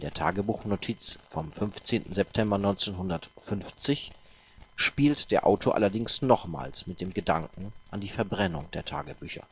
Tagebuchnotiz vom 15. September 1950 spielt der Autor allerdings nochmals mit dem Gedanken an die Verbrennung der Tagebücher